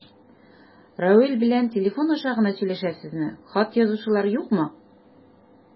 Равил белән телефон аша гына сөйләшәсезме, хат язышулар юкмы?